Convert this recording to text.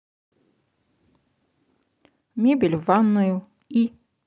мебель в ванную и